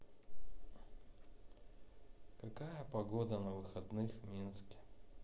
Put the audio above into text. какая погода на выходных в минске